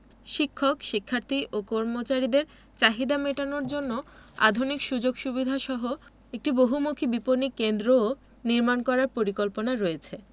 শিক্ষক শিক্ষার্থী ও কর্মচারীদের চাহিদা মেটানোর জন্য আধুনিক সুযোগ সুবিধাসহ একটি বহুমুখী বিপণি কেন্দ্রও নির্মাণ করার পরিকল্পনা রয়েছে